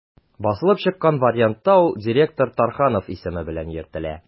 Басылып чыккан вариантта ул «директор Тарханов» исеме белән йөртелә.